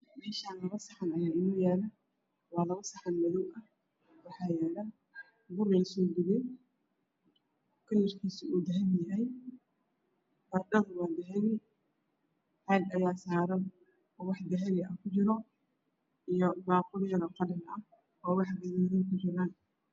Meeshaan labo saxan ayaa inoo yaalo waa labo saxan madow ah waxaa yaalo bur la soo dubay kalarkiisu dahabi yahay badhaa waa dahabi caag ayaa saaran oo wax dahabi ku jiro iyo baaquli yar oo qalin ah oo wax gaduudan ku jiraan